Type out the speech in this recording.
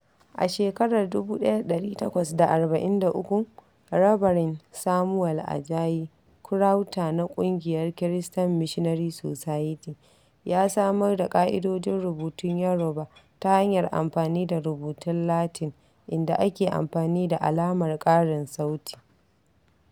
A shekarar 1843, Rabaren Samuel Àjàyí Crowther na ƙungiyar Christian Missionary Society ya samar da ƙa'idojin rubutun Yoruba ta hanyar amfani da rubutun Latin, inda ake amfani da alamar karin sauti.